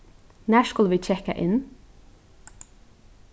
nær skulu vit kekka inn